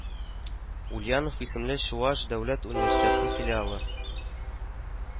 Ульянов исемле Чуаш дәүләт университеты филиалы